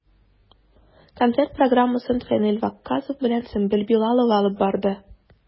Концерт программасын Фәнил Ваккасов белән Сөмбел Билалова алып барды.